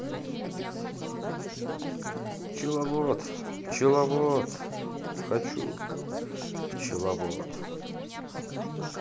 пчеловод пчеловод хочу пчеловод